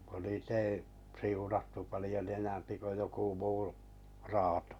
kun niitä ei siunattu paljon enempi kuin joku muu raato